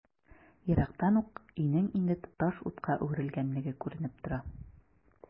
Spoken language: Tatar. Ерактан ук өйнең инде тоташ утка әверелгәнлеге күренеп тора.